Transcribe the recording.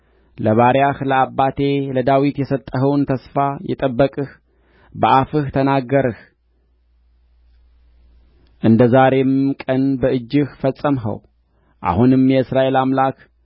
ለባሪያህ ለአባቴ ለዳዊት የሰጠኸውን ተስፋ የጠበቅህ በአፍህ ተናገርህ እንደ ዛሬው ቀንም በእጅህ ፈጸምኸው አሁንም የእስራኤል አምላክ